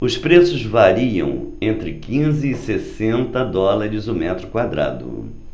os preços variam entre quinze e sessenta dólares o metro quadrado